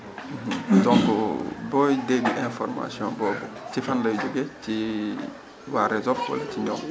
donc booy dégg information boobu ci fan lay jógee ci waa RESOP wala ci ñoom